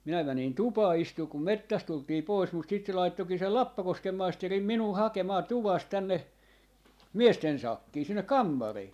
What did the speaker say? minä menin tupaan istumaan kun metsästä tultiin pois mutta sitten se laittoikin sen Lappakosken maisteri minua hakemaan tuvasta tänne miesten sakkiin sinne kammariin